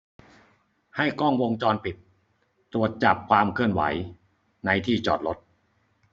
ให้กล้องวงจรปิดตรวจจับความเคลื่อนไหวในที่จอดรถ